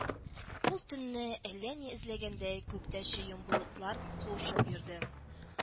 Ул төнне, әллә ни эзләгәндәй, күктә чуен болытлар куышып йөрде